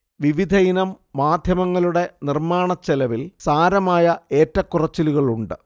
വിവിധയിനം മാധ്യമങ്ങളുടെ നിർമ്മാണച്ചെലവിൽ സാരമായ ഏറ്റക്കുറച്ചിലുകളുണ്ട്